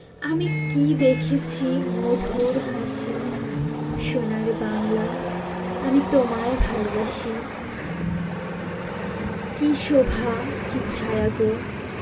আমি কী দেখেছি মধুর হাসি সোনার বাংলা আমি তোমায় ভালোবাসি কী শোভা কী ছায়া গো